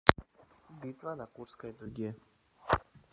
битва на курской дуге